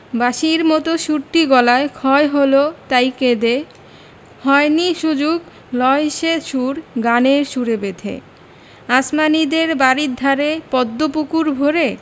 বাঁশির মতো সুরটি গলায় ক্ষয় হল তাই কেঁদে হয়নি সুযোগ লয় সে সুর গানের সুরে বেঁধে আসমানীদের বাড়ির ধারে পদ্ম পুকুর ভরে